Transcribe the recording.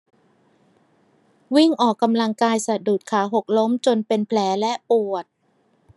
วิ่งออกกำลังกายสะดุดขาหกล้มจนเป็นแผลและปวด